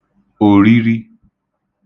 òriri